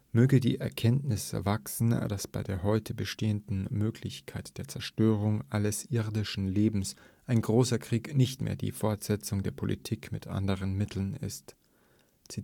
Möge die Erkenntnis wachsen, dass bei der heute bestehenden Möglichkeit der Zerstörung alles irdischen Lebens ein großer Krieg nicht mehr die ‚ Fortsetzung der Politik mit anderen Mitteln ‘ist